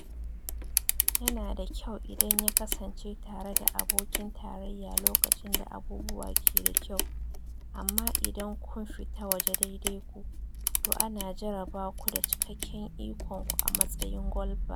Yana da kyau idan ya kasance tare da abokin tarayya lokacin da abubuwa ke da kyau, amma idan kun fita waje ɗaidaiku, to ana jarraba ku da cikakken ikon ku a matsayin golfer.